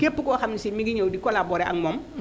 képp koo xam ne si mi ngi ñëw di collaborer ak moom